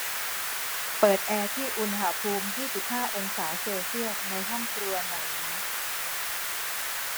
เปิดแอร์ที่อุณหภูมิยี่สิบห้าองศาเซลเซียสในห้องครัวหน่อยนะ